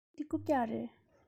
འདི རྐུབ བཀྱག རེད